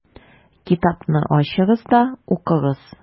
Китапны ачыгыз да укыгыз: